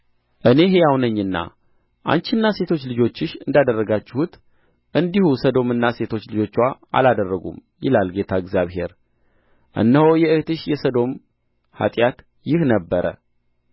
እኔ ሕያው ነኝና አንቺና ሴቶች ልጆችሽ እንዳደረጋችሁት እንዲሁ ሰዶምና ሴቶች ልጆችዋ አላደረጉም ይላል ጌታ እግዚአብሔር እነሆ የእኅትሽ የሰዶም ኃጢአት ይህ ነበረ